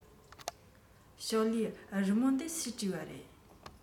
ཞོའོ ལིའི རི མོ འདི སུས བྲིས པ རེད